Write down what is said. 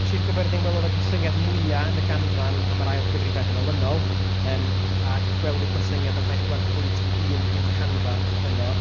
Sir Gaerfyrddin welodd y gostyngiad mwya yn y ganran am yr ail gyfrifiad yn olynol, yym a gwelwyd gostyngiad o bedwar pwynt un pwynt canran yno.